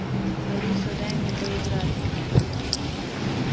алиса дай мне поиграть